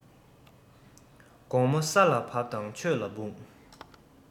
དགོངས མོ ས ལ བབས ལ ཆོས ལ འབུངས